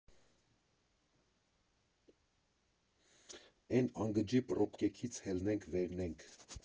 Էն անգջի պռոբկեքից հելնենք վերնենք։